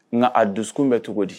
Nka a dusukun bɛ cogo di